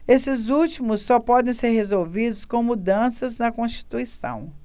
estes últimos só podem ser resolvidos com mudanças na constituição